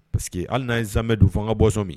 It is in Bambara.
Parce que hali n'an ye sanmɛ dun f'an ka boisson min